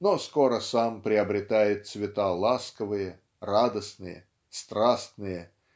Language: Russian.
но скоро сам приобретает цвета ласковые радостные страстные